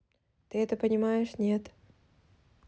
ты это понимаешь нет